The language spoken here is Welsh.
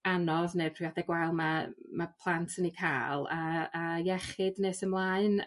anodd ne' priode gwael ma' ma' plant yn 'u ca'l a a iechyd nes ymlaen.